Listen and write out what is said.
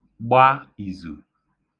gba ìzù